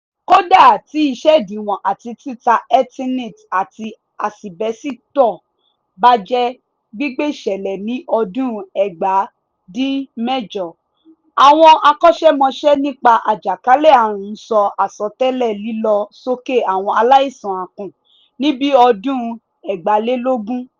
Kódà tí ìṣèdíwọ̀n àti títa Eternit àti àsìbẹ́sítọ̀ bá jẹ́ gbígbẹ́sẹ̀lé ní ọdún 1992,àwọn akọ́ṣẹ́mọṣẹ́ nípa àjàkálẹ̀-àrùn sọ àsọtẹ́lẹ̀ lílọ sókè àwọn aláìsàn akàn ní bíi ọdún 2020.